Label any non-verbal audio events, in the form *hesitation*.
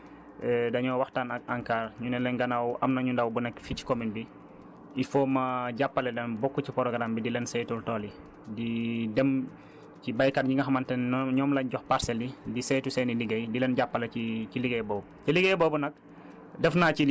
mais par la suite bi ñu ko jubantee rekk *hesitation* dañoo waxtaan ak ANCAR ñu ne leen gannaaw am nañu ndaw bu nekk fii ci commune bi il faut ma jàppale leen bokk ci programme bi di leen saytul tool yi di *hesitation* dem ci baykat yi nga xamante ne noonu ñoom lañ jox parcelles yi di saytu seen i liggéey di leen jàppale ci ci liggéey boobu